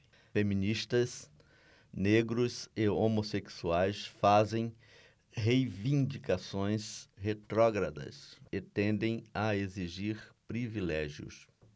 feministas negros e homossexuais fazem reivindicações retrógradas e tendem a exigir privilégios